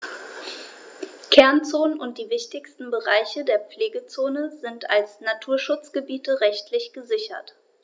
Kernzonen und die wichtigsten Bereiche der Pflegezone sind als Naturschutzgebiete rechtlich gesichert.